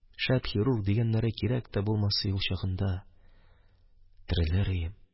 Шәп хирург дигәннәре кирәк тә булмас иде ул чагында, терелер идем.